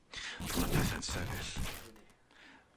Fel ma' pethe'n sefyll